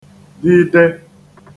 -dide